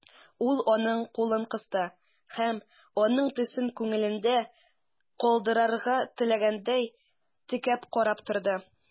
Ул аның кулын кысты һәм, аның төсен күңелендә калдырырга теләгәндәй, текәп карап торды.